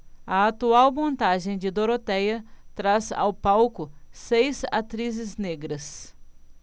a atual montagem de dorotéia traz ao palco seis atrizes negras